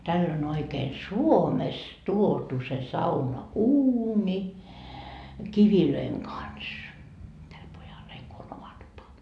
tällä on oikein Suomesta tuotu se saunauuni kivien kanssa tällä pojalla heillä kun on oma tupa